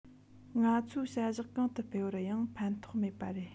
ང ཚོའི བྱ གཞག གོང དུ སྤེལ བར ཡང ཕན ཐོགས མེད པ རེད